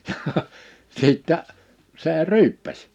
ja sitten se ryyppäsi